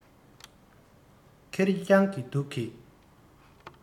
ཁེར རྐྱང གི སྡུག གིས